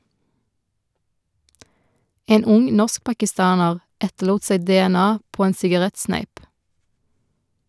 En ung norsk-pakistaner etterlot seg DNA på en sigarettsneip.